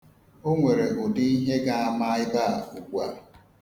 O nwere ụdị ihe ga-ama ebe a ugbua.